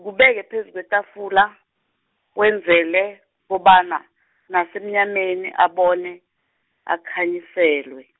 kubeke phezu kwetafula, wenzelele kobana, nosemnyameni abone, akhanyiselwe.